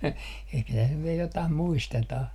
ehkä tässä nyt vielä jotakin muistetaan